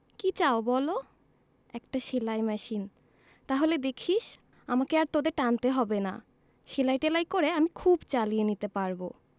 কি চাও বলো একটা সেলাই মেশিন তাহলে দেখিস আমাকে আর তোদের টানতে হবে না সেলাই টেলাই করে আমি খুব চালিয়ে নিতে পারব